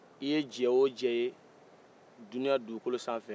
i ye jɛ o jɛ ye diɲɛ dugukolo san fɛ